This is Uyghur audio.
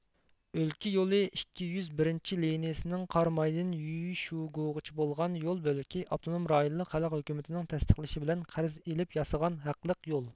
ئۆلكە يولى ئىككى يۈز بىرىنچى لىنىيىسىنىڭ قارامايدىن يۈيشۇگۇغىچە بولغان يول بۆلىكى ئاپتونوم رايونلۇق خەلق ھۆكۈمىتىنىڭ تەستىقلىشى بىلەن قەرز ئېلىپ ياسىغان ھەقلىق يول